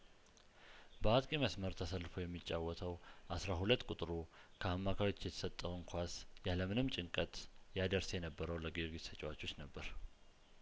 በአጥቂ መስመር ተሰልፎ የሚጫወተው አስራ ሁለት ቁጥሩ ከአማካዮች የተሰጠውን ኳስ ያለምንም ጭንቀት ያደርስ የነበረው ለጊዮርጊስ ተጫዋቾች ነበር